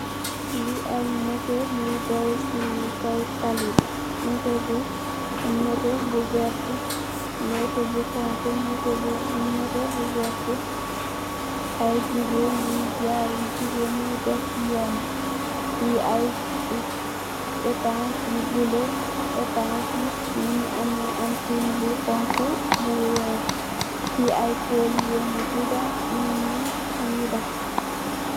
Fi ay moto yu daw si kaw taali bi auto bu neteh bu vertah auto bu xonxu moto bu neteh bu vertah ay jigeen nyui jaay jigeen yoi dox si yuun bi fi ay etas u bulo etass bi mogi ameh antenn bu xonxu bu weex fi ay poleli weng yu guda nyugi dox.